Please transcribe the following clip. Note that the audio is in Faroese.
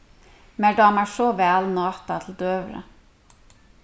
mær dámar so væl náta til døgurða